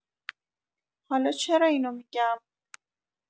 حالا چرا اینو می‌گم؟